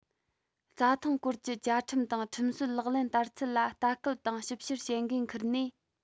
རྩྭ ཐང སྐོར གྱི བཅའ ཁྲིམས དང ཁྲིམས སྲོལ ལག ལེན བསྟར ཚུལ ལ ལྟ སྐུལ དང ཞིབ བཤེར བྱེད འགན འཁུར ནས